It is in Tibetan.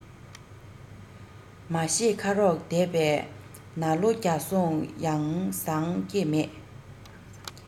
མ ཤེས ཁ རོག བསྡད པས ན ལོ བརྒྱ སོང ཡང བཟང བསྐྱེད མེད